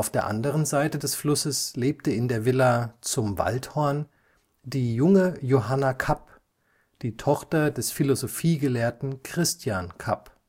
der anderen Seite des Flusses lebte in der Villa Zum Waldhorn die junge Johanna Kapp, die Tochter des Philosophiegelehrten Christian Kapp